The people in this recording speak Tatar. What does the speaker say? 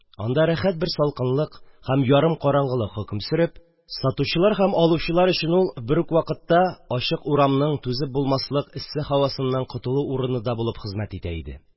Анда рәхәт бер салкынлык һәм ярым караңгылык хөкем сөреп, сатучылар һәм алучылар өчен ул бер үк вакытта ачык урамның түзеп булмаслык эссе һавасыннан котылу урыны да булып хезмәт итә иде,